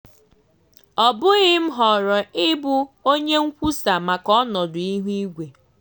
Ọ bụghị m họrọ ịbụ onye nkwusa maka ọnọdụ ihu igwe.